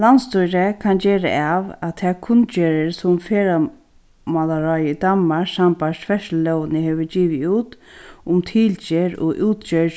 landsstýrið kann gera av at tær kunngerðir sum ferðamálaráðið í danmark sambært ferðslulógini hevur givið út um tilgerð og útgerð